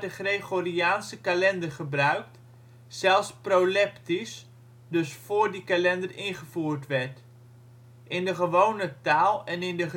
Gregoriaanse kalender gebruikt, zelfs proleptisch (dus voor die kalender ingevoerd werd). In de gewone taal en in de geschiedenis